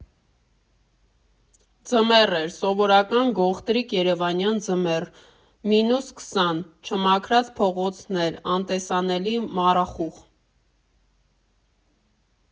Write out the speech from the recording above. Ձմեռ էր, սովորական, գողտրիկ երևանյան ձմեռ՝ մինուս քսան, չմաքրած փողոցներ, անտեսանելի մառախուղ։